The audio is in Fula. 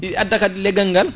i adda kadi leggal ngal